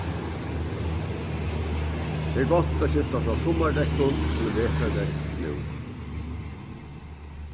tað er gott at skifta frá summardekkum til vetrardekk nú